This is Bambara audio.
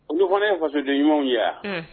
O fana ye fasodi ɲumanw ye yan